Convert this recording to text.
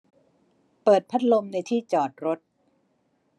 เปิดพัดลมในที่จอดรถ